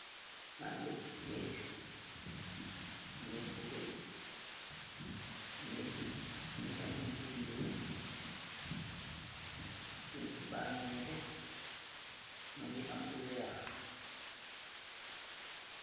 Magee giss neeke, neeke bu raay, neeke bi mugi am bunta bu nyol, plainterr bagi netee mugi am lu weeh.